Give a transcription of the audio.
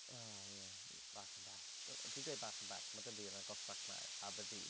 O ie bach yn bell. Dwi'n dweud bach yn bell, ma' Dundee yn agosach 'na Aberdeen.